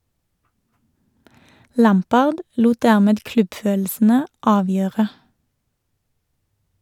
Lampard lot dermed klubbfølelsene avgjøre.